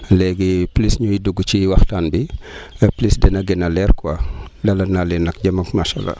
léegi plus ñuy dugg ci waxtaan bi plus dana gën a leer quoi dalal naa leen ak jàmm macha allah